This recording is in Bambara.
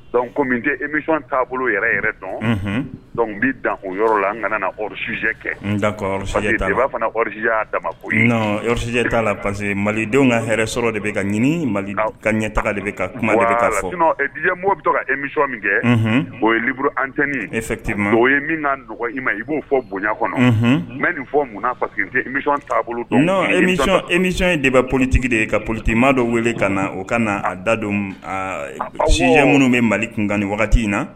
Dɔnkuc ko tɛ emiɔn taabolo yɛrɛ yɛrɛ dɔn bɛ dan o yɔrɔ la an kanasijɛ kɛjɛ i b'asijɛ t'a la parce que malidenw ka hɛrɛ sɔrɔ de bɛ ka ɲini mali ka ɲɛ taga de bɛ ka kuma t'a la bɛ emi min kɛ o buru ant eti ma o ye min i ma i b'o fɔ bonya kɔnɔ n bɛ nin fɔ mun parce que emi taabolo to emi emisɔn in de bɛ politigi de ye ka polite ma dɔ wele ka na o ka a da minnu bɛ mali kunkan wagati in na